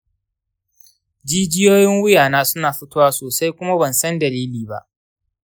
jijiyoyin wuya na suna fitowa sosai kuma bansan dalili ba.